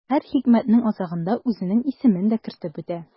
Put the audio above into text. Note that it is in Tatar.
Һәр хикмәтнең азагында үзенең исемен дә кертеп үтә.